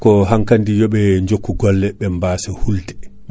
ko hankkandi yoɓe jokku golle ɓe mbasa hulde